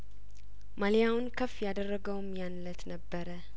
ማሊያውን ከፍ ያደረገውምያን እለት ነበረ